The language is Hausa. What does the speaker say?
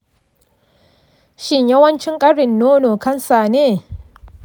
shin yawancin ƙarin nono kansa ne?